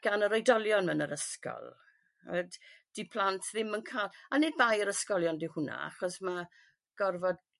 gan yr oedolion mewn yr ysgol, 'od. 'Di plant ddim yn ca-... A nid nid bai yr ysgolion dyw hwnna achos ma' gorfod